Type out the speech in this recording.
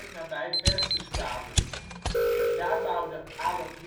nabij Berchtesgaden: daar bouwde Adolf